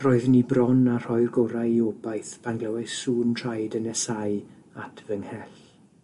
Roeddwn i bron â rhoi gorau i obaith pan glywais sŵn traed y nesáu at fy nghell.